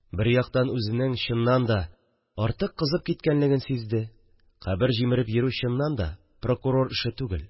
Бер яктан үзенең чыннан да артык кызып киткәнлеген сизде: кабер җимереп йөрү, чыннан да, прокурор кеше эше түгел